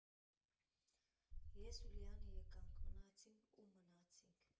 Ես ու Լիանը եկանք, մնացինք ու մնացինք։